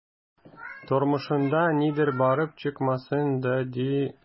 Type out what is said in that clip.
Тормышында нидер барып чыкмасын да, ди...